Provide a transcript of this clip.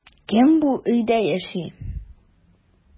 Кем бу өйдә яши?